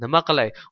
nima qilay